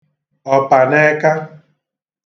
ọ̀pànẹẹka